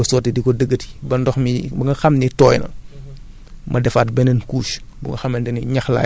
waaw di ko dëggate rekk di ko piétiner nii quoi di ko sotti di ko dëggate di ko sotti di ko dëggate ba ndox mi ba nga xam ne tooy na